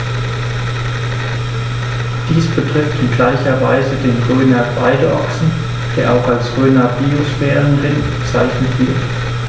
Dies betrifft in gleicher Weise den Rhöner Weideochsen, der auch als Rhöner Biosphärenrind bezeichnet wird.